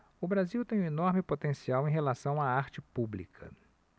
o brasil tem um enorme potencial em relação à arte pública